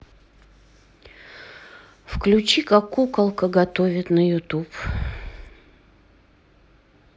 включи как куколка готовит на ютуб